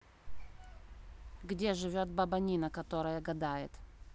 где живет баба нина которая гадает